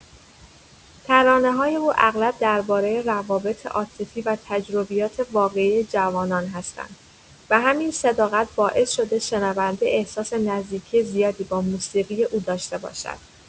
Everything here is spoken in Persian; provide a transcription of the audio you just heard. ترانه‌های او اغلب درباره روابط عاطفی و تجربیات واقعی جوانان هستند و همین صداقت باعث شده شنونده احساس نزدیکی زیادی با موسیقی او داشته باشد.